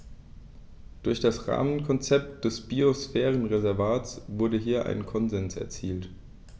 Durch das Rahmenkonzept des Biosphärenreservates wurde hier ein Konsens erzielt.